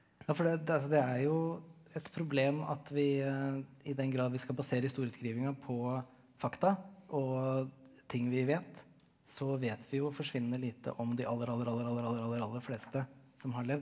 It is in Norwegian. ja for det altså det er jo et problem at vi i den grad vi skal basere historieskrivinga på fakta og ting vi vet så vet vi jo forsvinnende lite om de aller aller aller aller aller aller aller aller fleste som har levd.